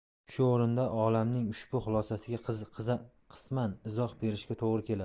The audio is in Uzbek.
shu o'rinda olimaning ushbu xulosasiga qisman izoh berishga to'g ri keladi